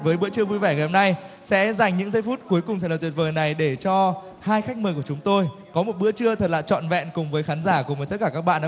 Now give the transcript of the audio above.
với bữa trưa vui vẻ ngày hôm nay sẽ dành những giây phút cuối cùng thật là tuyệt vời này để cho hai khách mời của chúng tôi có một bữa trưa thật là trọn vẹn cùng với khán giả cùng với tất cả các bạn